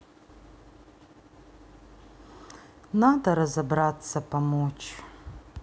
надо разобраться помочь